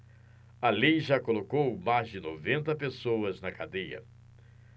a lei já colocou mais de noventa pessoas na cadeia